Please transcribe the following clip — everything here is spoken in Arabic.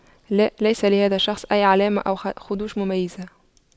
لا ليس لهذا الشخص أي علامة أو خدوش مميزة